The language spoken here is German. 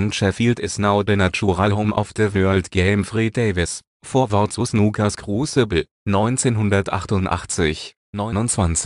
Sheffield is now the natural home of the world game. “– Fred Davis: Vorwort zu Snooker 's Crucible, 1988 „ Während